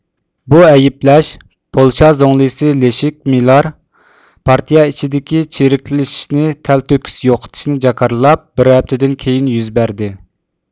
بۇ ئەيىبلەش پولشا زۇڭلىسى لېشېك مىلار پارتىيە ئىچىدىكى چىرىكلىشىشنى تەلتۆكۈس يوقىتىشنى جاكارلاپ بىر ھەپتىدىن كېيىن يۈز بەردى